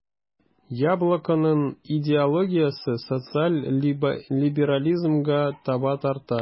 "яблоко"ның идеологиясе социаль либерализмга таба тарта.